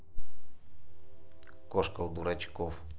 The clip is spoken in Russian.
кошка у дурачков